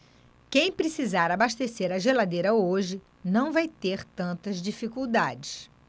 quem precisar abastecer a geladeira hoje não vai ter tantas dificuldades